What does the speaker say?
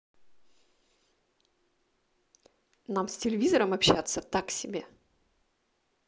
нам с телевизором общаться так себе